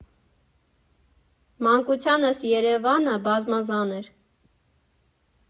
Մանկությանս Երևանը բազմազան էր.